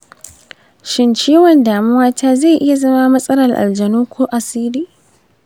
shin ciwon damuwata zai iya zama matsalar aljanu ko asiri